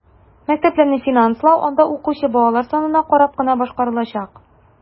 Мәктәпләрне финанслау анда укучы балалар санына карап кына башкарылачак.